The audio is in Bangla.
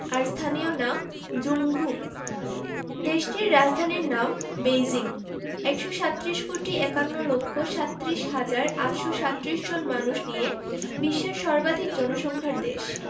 আর স্থানীয় নাম ঝুংঘু দেশটির রাজধানীর নাম বেইজিং ১৩৭ কোটি ৫১ লক্ষ ৩৭ হাজার ৮৩৭ জন মানুষ নিয়ে বিশ্বের সর্বাধিক জনসংখ্যার দেশ